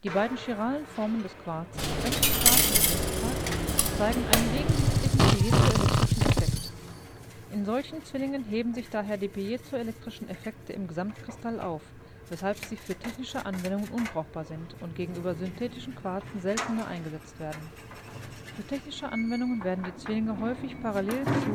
beiden chiralen Formen des Quarzes, Rechtsquarz und Linksquarz, zeigen einen gegensätzlichen piezoelektrischen Effekt. In solchen Zwillingen heben sich daher die piezoelektrische Effekte im Gesamtkristall auf, weshalb sie für technische Anwendungen unbrauchbar sind und gegenüber synthetischen Quarzen seltener eingesetzt werden. Für technische Anwendungen werden die Zwillinge häufig parallel zur